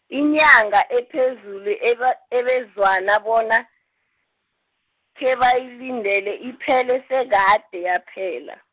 inyanga ephezulu eba ebezwana bona, khebayilindele iphele sekade yaphela.